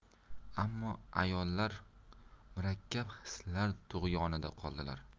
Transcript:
ammo ayollar murakkab hislar tug'yonida qoldilar